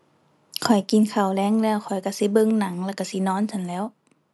ข้อยกินข้าวแลงแล้ว ข้อยก็สิเบิ่งหนัง แล้วก็สินอนซั้นแหล้ว